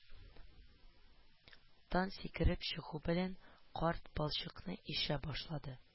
Дан сикереп чыгу белән, карт балчыкны ишә башлады